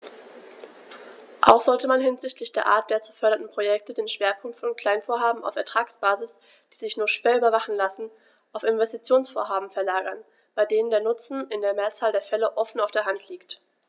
Auch sollte man hinsichtlich der Art der zu fördernden Projekte den Schwerpunkt von Kleinvorhaben auf Ertragsbasis, die sich nur schwer überwachen lassen, auf Investitionsvorhaben verlagern, bei denen der Nutzen in der Mehrzahl der Fälle offen auf der Hand liegt.